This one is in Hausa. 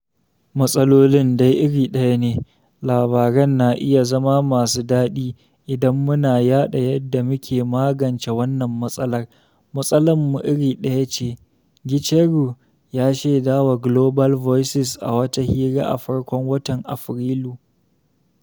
Matsalolin dai iri ɗaya ne; labaran na iya zama masu daɗi idan muna yaɗa yadda muke magance wannan matsalar; matsalar mu iri ɗaya ce" Gicheru ya shedawa Global Voices a wata hira a farkon watan Afrilu.